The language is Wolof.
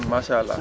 macha allah